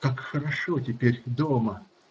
Как хорошо теперь дома!.